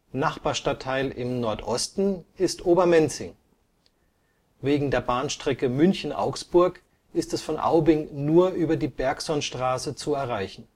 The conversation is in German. Nachbarstadtteil im Nordosten ist Obermenzing. Wegen der Bahnstrecke München – Augsburg ist es von Aubing nur über die Bergsonstraße zu erreichen